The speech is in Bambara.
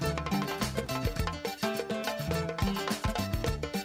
Maa